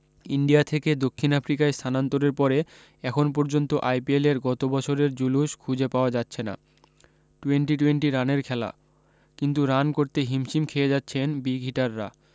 India থেকে দক্ষিণ আফ্রিকায় স্থানান্তরের পরে এখন পর্যন্ত আইপিএলের গত বছরের জুলুশ খুঁজে পাওয়া যাচ্ছে না টোয়েন্টি টোয়েন্টি রানের খেলা কিন্তু রান করতে হিমশিম খেয়ে যাচ্ছেন বিগহিটাররা